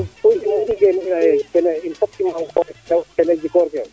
in fog i ngeenu leya kene jikoor kel